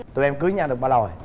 tụi em cưới nhau được bao lâu rồi